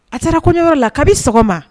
A taara kɔɲɔyɔrɔ la'a bɛ sɔgɔma